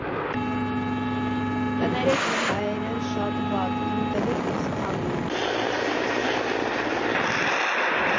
Կներեք, իմ հայերեն շատ վատ, իմ կնիկ իզ քամինգ։